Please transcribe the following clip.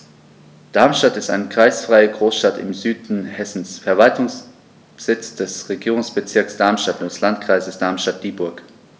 Darmstadt ist eine kreisfreie Großstadt im Süden Hessens, Verwaltungssitz des Regierungsbezirks Darmstadt und des Landkreises Darmstadt-Dieburg.